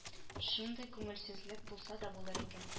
Шундый күңелсезлек булса да булыр икән